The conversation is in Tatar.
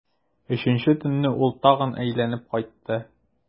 Өченче төнне ул тагын әйләнеп кайтты.